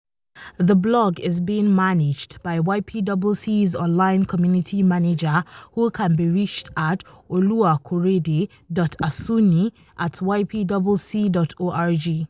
The Blog is being managed by YPWC’s Online Community Manager who can be reached at Oluwakorede.Asuni@ypwc.org